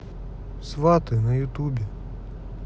сваты на ютубе